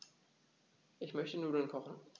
Ich möchte Nudeln kochen.